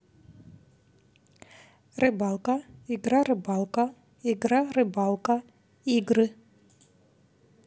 рыбалка игры рыбалка игры рыбалка игры